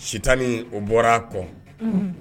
Sitainɛ o bɔr'a kɔ.